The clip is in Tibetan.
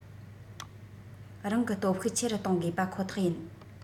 རང གི སྟོབས ཤུགས ཆེ རུ གཏོང དགོས པ ཁོ ཐག ཡིན